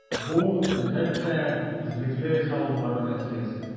Бу, әлбәттә, эзлекле эш алып бару нәтиҗәсе.